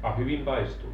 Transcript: a hyvin paistuivat